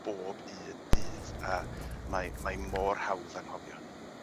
bob un dydd a mae mae mor hawdd anghofio hynny.